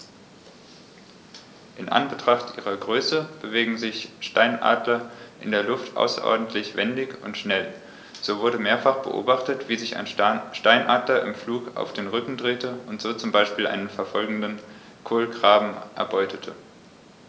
In Anbetracht ihrer Größe bewegen sich Steinadler in der Luft außerordentlich wendig und schnell, so wurde mehrfach beobachtet, wie sich ein Steinadler im Flug auf den Rücken drehte und so zum Beispiel einen verfolgenden Kolkraben erbeutete.